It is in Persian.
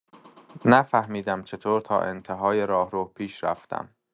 نفهمیدم چطور تا انت‌های راهرو پیش رفتم.